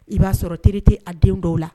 I b'a sɔrɔ terite a denw dɔw la